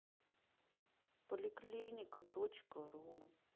поликлиника точка ру